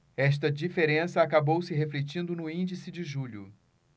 esta diferença acabou se refletindo no índice de julho